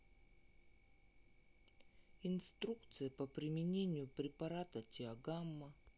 инструкция по применения препарата тиогамма